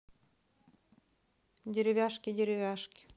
деревяшки деревяшки